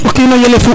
o kino yelefu